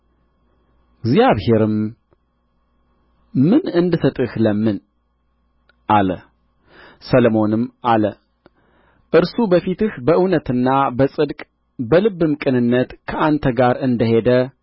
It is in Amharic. እግዚአብሔርም ምን እንድሰጥህ ለምን አለ ሰሎሞንም አለ እርሱ በፊትህ በእውነትና በጽድቅ በልብም ቅንነት ከአንተ ጋር እንደ ሄደ